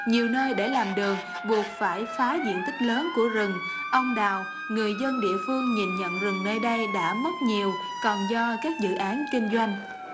nhiều nơi để làm đường buộc phải phá diện tích lớn của rừng ông đào người dân địa phương nhìn nhận rừng nơi đây đã mất nhiều còn do các dự án kinh doanh